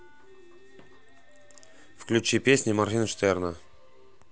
включи песни моргенштерна